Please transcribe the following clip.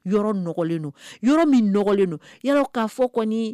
Yɔrɔlen don yɔrɔ minlen don'a fɔ kɔni